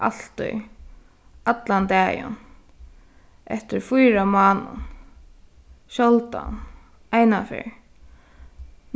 altíð allan dagin eftir fýra mánaðum sjáldan eina ferð